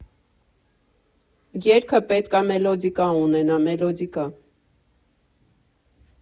Երգը պետք ա մելոդիկա ունենա, մելոդիկա՜։